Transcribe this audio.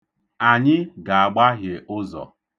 Anyị ga-agbahie ụzọ.